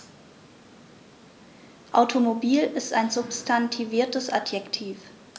Automobil ist ein substantiviertes Adjektiv.